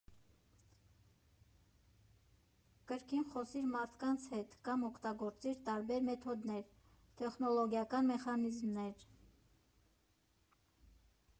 Կրկին խոսիր մարդկանց հետ, կամ օգտագործիր տարբեր մեթոդներ, տեխնոլոգիական մեխանիզմներ.